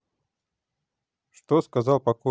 что сказал покойник